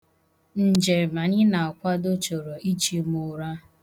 Njem anyị na-akwado chọrọ ichu m ụra.